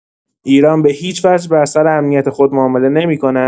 ایران به‌هیچ‌وجه بر سر امنیت خود معامله نمی‌کند.